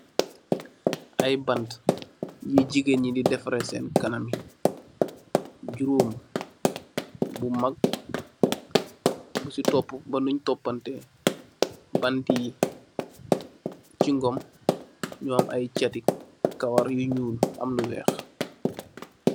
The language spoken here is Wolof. Ay bantë, yu jigéen i,defaree seen kanam yi. Juroom, bu mag, busi toopu ba nuñge toopalante. Bantë yi, cingom, ay catti cawar i ñuul, am lu weex.